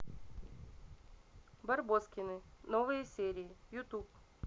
барбоскины новые серии ютуб